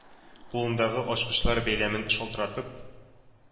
Кулындагы ачкычлар бәйләмен шалтыратып,